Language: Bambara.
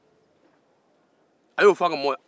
a y'o fɔ a ka maaw ye